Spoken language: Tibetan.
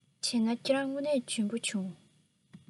བྱས ན ཁྱེད རང དངོས འབྲེལ འཇོན པོ བྱུང